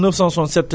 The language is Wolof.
ñu def ko